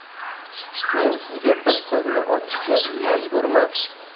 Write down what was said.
men sizga bir sirni ochishga majburman